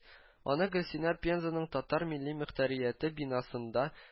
Аны Гөлсинә Пензаның татар милли мөхтәрияте бинасында